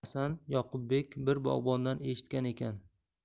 hasan yoqubbek bir bog'bondan eshitgan ekan